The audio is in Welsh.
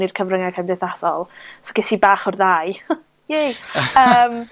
i'r cyfrynge cymdeithasol. So ges i bach o'r ddau. Yay! yym